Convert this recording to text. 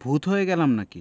ভূত হয়ে গেলাম নাকি